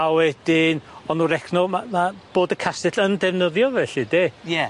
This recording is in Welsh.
A wedyn o'n nw recno ma' ma' bod y castell yn defnyddio felly de? Ie.